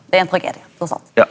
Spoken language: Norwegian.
det er ein tragedie tross alt.